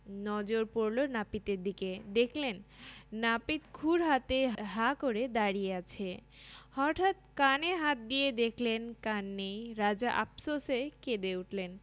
নজর পড়ল নাপিতের দিকে দেখলেন নাপিত ক্ষুর হাতে হাঁ করে দাড়িয়ে আছে হঠাৎ কানে হাত দিয়ে দেখলেন কান নেই রাজা আপসোসে কেঁদে উঠলেন